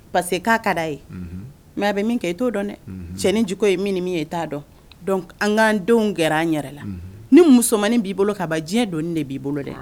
Parce que k'a ka' a ye mɛ a bɛ min kɛ i t'o dɔn dɛ cɛnijugu ye min ni min ye t'a dɔn an'an denw kɛra an yɛrɛ la ni musomanmaniin b'i bolo kaa ban diɲɛ don de b'i bolo dɛ